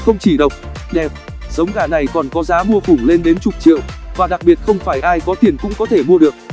không chỉ độc đẹp giống gà này còn có giá mua khủng lên đến chục triệu và đặc biệt không phải ai có tiền cũng có thể mua được